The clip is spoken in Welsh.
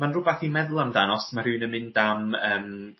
ma'n rwbath in meddwl amdano os ma' rhywun yn mynd am yym